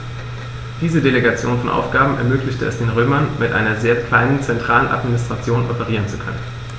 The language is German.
Diese Delegation von Aufgaben ermöglichte es den Römern, mit einer sehr kleinen zentralen Administration operieren zu können.